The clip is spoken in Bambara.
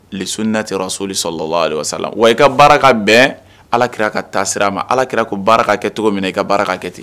S ni natɛyɔrɔ soli sɔrɔ lala wa i ka baara bɛn alaki ka taa sira a ma alakira ko baara kɛ cogo min i ka baara kɛ ten